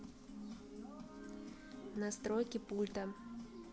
настройки пульта